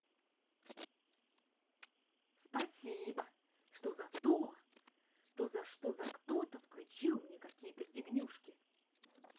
спасибо что за то то за что за кто то включил мне какие то фигнюшки